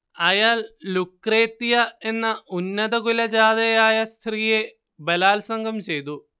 അയാൾ ലുക്രേത്തിയ എന്ന ഉന്നതകുലജാതയായ സ്ത്രീയെ ബലാത്സംഗം ചെയ്തു